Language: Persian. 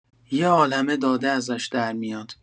یه عالمه داده ازش در میاد.